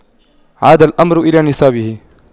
عاد الأمر إلى نصابه